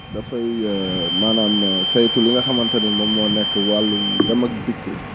dafay maanaam saytu li nga xamante ni ñoom ñoo nekk wàllum dem ak dikk